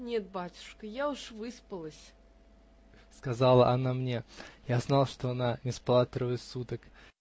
-- Нет, батюшка, я уж выспалась, -- сказала она мне (я знал, что она не спала трое суток).